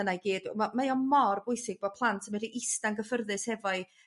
yna i gyd m- mae o mor bwysig bod plant yn medru ista'n gyffyrddus hefo'u